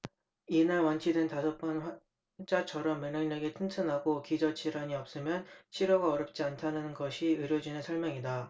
이날 완치된 다섯 번 환자처럼 면역력이 튼튼하고 기저 질환이 없으면 치료가 어렵지 않다는 것이 의료진의 설명이다